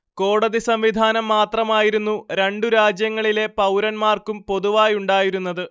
കോടതി സംവിധാനം മാത്രമായിരുന്നു രണ്ടുരാജ്യങ്ങളിലെ പൗരന്മാർക്കും പൊതുവായുണ്ടായിരുന്നത്